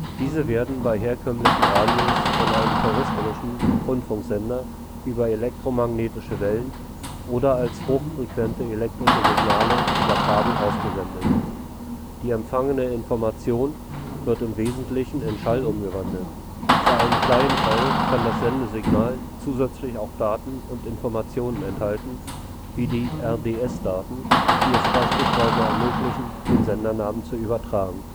Diese werden bei herkömmlichen Radios von einem terrestrischen Rundfunksender über elektromagnetische Wellen oder als hochfrequente elektrische Signale über Kabel ausgesendet. Die empfangene Information wird im Wesentlichen in Schall umgewandelt; zu einem kleinen Teil kann das Sendesignal zusätzlich auch Daten und Informationen enthalten, wie die RDS-Daten, die es beispielsweise ermöglichen, den Sendernamen zu übertragen